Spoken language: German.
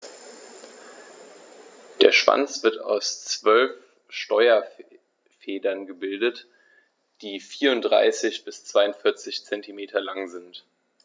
Der Schwanz wird aus 12 Steuerfedern gebildet, die 34 bis 42 cm lang sind.